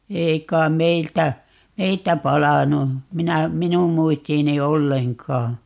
ei kai meiltä meiltä palanut minä minun muistiini ollenkaan